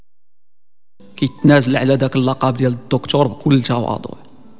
يتنازل علاجك اللقاء في كل شيء واضح